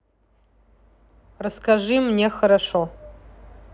расскажи мне хорошо